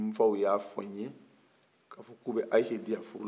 n fa w y'a fɔ n ye ka fɔ k'u bɛ ayise di y'an furu la